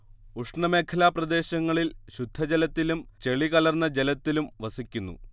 ഉഷ്ണമേഖലാ പ്രദേശങ്ങളിൽ ശുദ്ധജലത്തിലും ചെളികലർന്ന ജലത്തിലും വസിക്കുന്നു